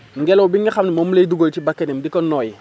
ngelaw bi nga xam moom lay dugal ci bakanam di ko noyyi